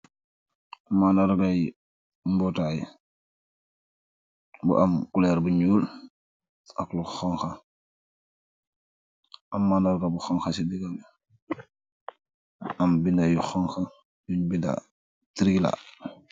Maaandarr ngaayi mbotai, bu am couleur bu njull ak lu honha, am maandarr nga bu honha c birr, am binda yu honha yungh binda trailer.